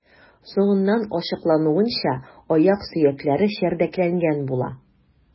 Соңыннан ачыклануынча, аяк сөякләре чәрдәкләнгән була.